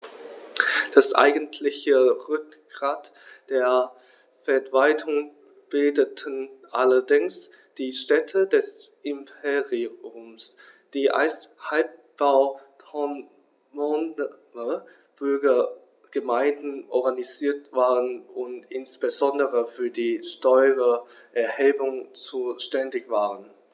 Das eigentliche Rückgrat der Verwaltung bildeten allerdings die Städte des Imperiums, die als halbautonome Bürgergemeinden organisiert waren und insbesondere für die Steuererhebung zuständig waren.